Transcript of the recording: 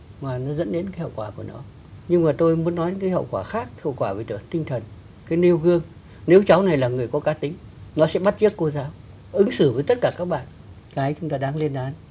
mà nó dẫn đến hậu quả của nó nhưng mà tôi muốn nói đến cái hậu quả khác hậu quả về tinh thần cái nêu gương nếu cháu này là người có cá tính nó sẽ bắt chước cô giáo ứng xử với tất cả các bạn cái chúng ta đáng lên án